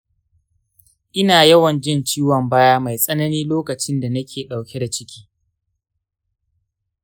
ina yawanjin ciwon baya mai tsanani lokacinda nake dauke da ciki